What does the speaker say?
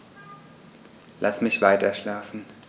Lass mich weiterschlafen.